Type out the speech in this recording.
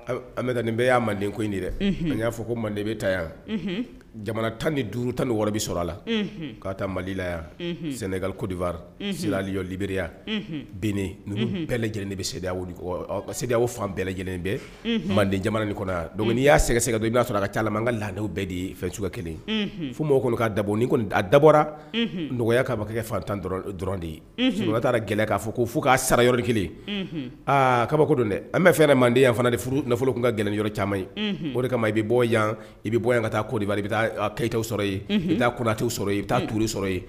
Bɛ nin bɛɛ y' mande ko in nin dɛ n y'a fɔ ko mande bɛ taa yan jamana tan ni duuru tan ni wara bɛ sɔrɔ a la k'a ta malila yan sɛnɛga kodiwa sirali libbiriya binnen bɛɛ lajɛlen de bɛ se kɔ seginna o fan bɛɛ lajɛlen bɛɛ manden jamana nin kɔnɔ doni y'a sɛgɛsɛ ka i b'a sɔrɔ ka ca an ka laada bɛɛ de ye fɛn cogoya kelen fo mɔgɔw kɔni ka dabɔ ni ko dabɔra n nɔgɔya'aba kɛ fatan dɔrɔn dɔrɔn de ye sunjata taara gɛlɛ k'a fɔ ko fo k'a sara yɔrɔ kelen aa kabako don dɛ an bɛ fɛɛrɛ manden yan fana de furu nafolo tun ka gɛlɛn yɔrɔ caman ye o de kama i bɛ bɔ yan i bɛ bɔ yan ka taa ko debali i bɛ taa keyitaw sɔrɔ yen bɛ taa kotɛ sɔrɔ i bɛ taa tuuru sɔrɔ yen